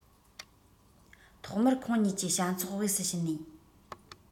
ཐོག མར ཁོང གཉིས ཀྱི བྱ ཚོགས དབུས སུ ཕྱིན ནས